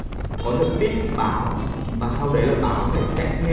có giật tít báo và sau đấy là báo phải chạy theo